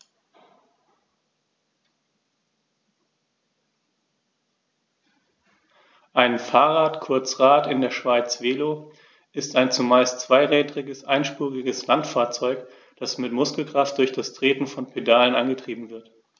Ein Fahrrad, kurz Rad, in der Schweiz Velo, ist ein zumeist zweirädriges einspuriges Landfahrzeug, das mit Muskelkraft durch das Treten von Pedalen angetrieben wird.